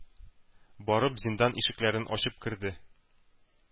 Барып зиндан ишекләрен ачып керде,